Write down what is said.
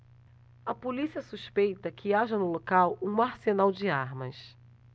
a polícia suspeita que haja no local um arsenal de armas